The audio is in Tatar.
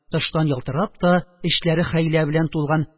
Тыштан ялтырап та, эчләре хәйлә белән тулган